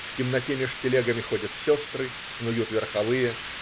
В темноте меж телегами ходят сестры. Снуют верховые.